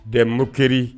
Dan murukri